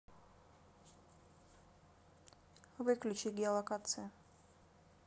выключи геолокации